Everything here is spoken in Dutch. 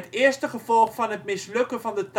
eerste gevolg van het mislukken van de